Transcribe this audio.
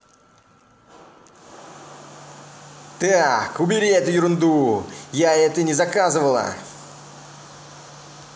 так убери эту ерунду я это не заказывала